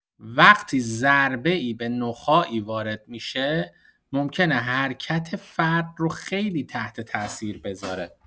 وقتی ضربه‌ای به نخاعی وارد می‌شه، ممکنه حرکت فرد رو خیلی تحت‌تاثیر بذاره.